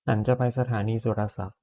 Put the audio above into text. ฉันจะไปสถานีสุรศักดิ์